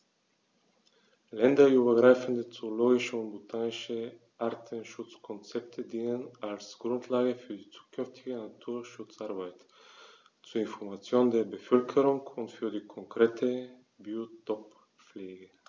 Länderübergreifende zoologische und botanische Artenschutzkonzepte dienen als Grundlage für die zukünftige Naturschutzarbeit, zur Information der Bevölkerung und für die konkrete Biotoppflege.